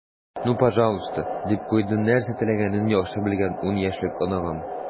"ну пожалуйста," - дип куйды нәрсә теләгәнен яхшы белгән ун яшьлек оныгым.